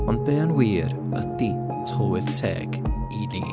Ond be yn wir ydy tylwyth teg i ni?